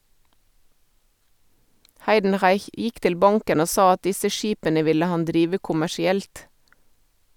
Heidenreich gikk til banken og sa at disse skipene ville han drive kommersielt.